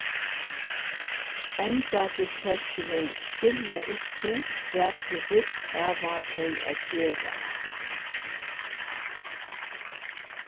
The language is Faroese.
embætisfólkini skilja ikki hvat tú vilt hava tey at gera